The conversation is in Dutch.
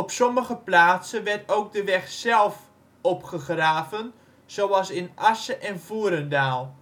sommige plaatsen werd ook de weg zelf opgegraven, zoals in Asse en Voerendaal